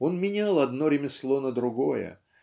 он менял одно ремесло на другое